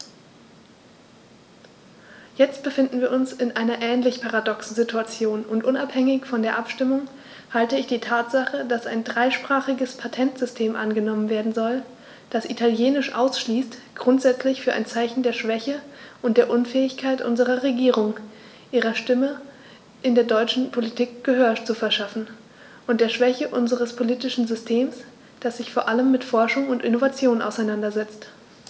Jetzt befinden wir uns in einer ähnlich paradoxen Situation, und unabhängig von der Abstimmung halte ich die Tatsache, dass ein dreisprachiges Patentsystem angenommen werden soll, das Italienisch ausschließt, grundsätzlich für ein Zeichen der Schwäche und der Unfähigkeit unserer Regierung, ihrer Stimme in der europäischen Politik Gehör zu verschaffen, und der Schwäche unseres politischen Systems, das sich vor allem mit Forschung und Innovation auseinandersetzt.